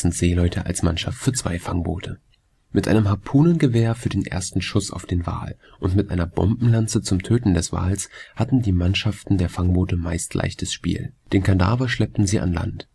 Seeleute als Mannschaft für zwei Fangboote. Mit einem Harpunengewehr für den ersten Schuss auf den Wal und mit einer Bombenlanze zum Töten des Wales hatten die Mannschaften der Fangboote meist leichtes Spiel. Den Kadaver schleppten sie an Land